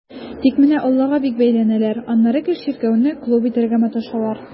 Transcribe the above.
Тик менә аллага бик бәйләнәләр, аннары гел чиркәүне клуб итәргә маташалар.